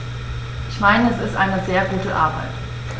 Ich meine, es ist eine sehr gute Arbeit.